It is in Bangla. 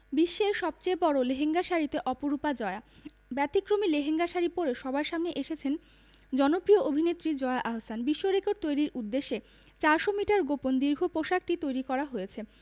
বিশ্বের সবচেয়ে বড় লেহেঙ্গা শাড়িতে অপরূপা জয়া ব্যতিক্রমী লেহেঙ্গা শাড়ি পরে সবার সামনে এসেছেন জনপ্রিয় অভিনেত্রী জয়া আহসান বিশ্বরেকর্ড তৈরির উদ্দেশ্যে ৪০০ মিটার গোপন দীর্ঘ পোশাকটি তৈরি করা হয়েছে